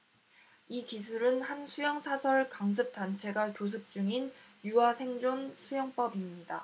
이 기술은 한 수영 사설 강습 단체가 교습 중인 유아 생존 수영법입니다